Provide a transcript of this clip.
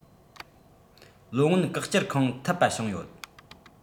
ལོ སྔོན བཀག སྐྱིལ ཁང ཐུབ པ བྱུང ཡོད